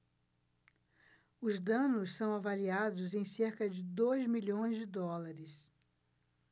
os danos são avaliados em cerca de dois milhões de dólares